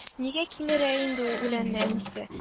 Нигә кимерә инде ул үләнне әнисе